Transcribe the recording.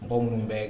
Bɔ minnu bɛ